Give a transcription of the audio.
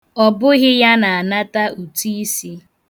Ọ bụghị ya na anata ụtụisi.